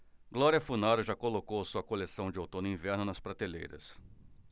glória funaro já colocou sua coleção de outono-inverno nas prateleiras